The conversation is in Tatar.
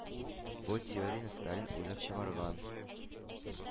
Бу теорияне Сталин уйлап чыгарган,